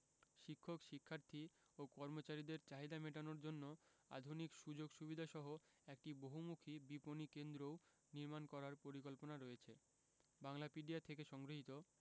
শিক্ষক শিক্ষার্থী ও কর্মচারীদের চাহিদা মেটানোর জন্য আধুনিক সুযোগ সুবিধাসহ একটি বহুমুখী বিপণি কেন্দ্রও নির্মাণ করার পরিকল্পনা রয়েছে বাংলাপিডিয়া থেকে সংগৃহীত